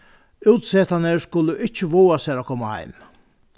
útisetarnir skulu ikki vága sær at koma heim